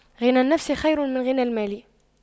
غنى النفس خير من غنى المال